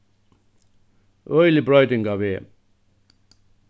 øgilig broyting á veg